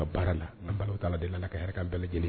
Ka baara la n bala ta deli la ka hɛrɛ ka bɛɛ lajɛleneni